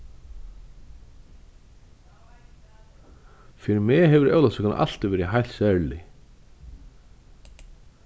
fyri meg hevur ólavsøkan altíð verið heilt serlig